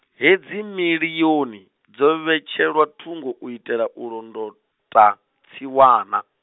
hedzi miḽioni, dzo vhetshelwa thungo u itela u londota, tsiwana.